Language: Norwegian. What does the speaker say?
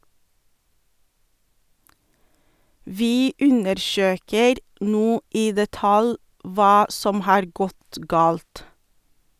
- Vi undersøker nå i detalj hva som har gått galt.